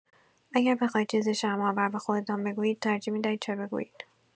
اگر بخواهید چیزی شرم‌آور به خودتان بگویید، ترجیح می‌دهید چه بگویید؟